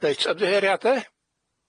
Reit, ymddiheuriade?